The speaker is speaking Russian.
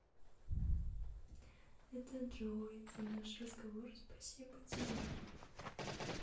это джой за наш разговор спасибо тебе